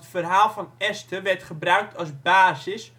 verhaal van Esther werd gebruikt als basis